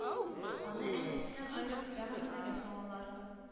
Аны, әнисеннән аерып, дәваханәгә салалар